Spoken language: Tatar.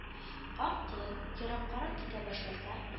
Ак колын ерак карак китә башласа